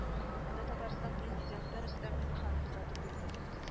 Аны татарстан президенты рөстәм миңнеханов озатып йөрде